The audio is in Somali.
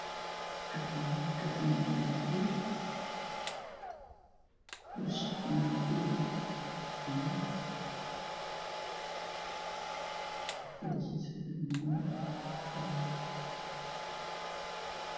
Waa katiinad kasameysan kuul. Midabkeedu waa cagaar gadaashiisa waa cagaar.